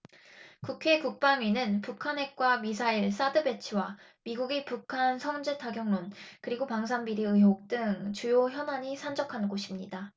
국회 국방위는 북한 핵과 미사일 사드 배치와 미국의 북한 선제타격론 그리고 방산비리 의혹 등 주요 현안이 산적한 곳입니다